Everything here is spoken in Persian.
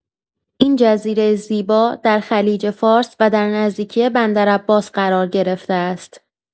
این جزیره زیبا در خلیج‌فارس و در نزدیکی بندرعباس قرار گرفته است.